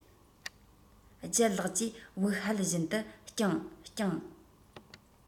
ལྗད ལགས ཀྱིས དབུགས ཧལ བཞིན དུ སྤྱང སྤྱང